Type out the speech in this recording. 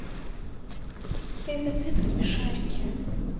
лейкоциты смешарики